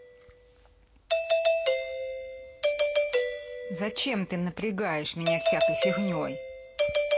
зачем ты напрягаешь меня всякой фигней